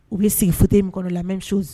U bɛ sigi fauteuil in min kɔnɔ la mais